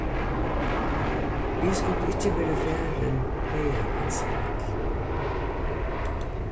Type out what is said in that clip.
vit skuldu ikki verið farin hagar einsamøll